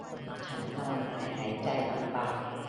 ฉันนอนหงายหายใจลำบาก